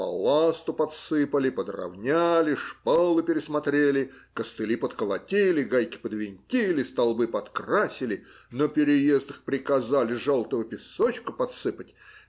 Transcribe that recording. Балласту подсыпали, подровняли, шпалы пересмотрели, костыли подколотили, гайки подвинтили, столбы подкрасили, на переездах приказали желтого песочку подсыпать.